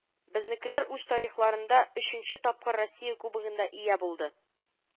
Безнекеләр үз тарихларында өченче тапкыр россия кубогына ия булды